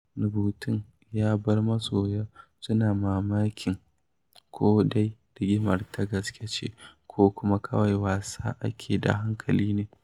Rubutun ya bar masoya suna mamakin ko dai rigimar ta gaske ce ko kuma kawai wasa da hankali ne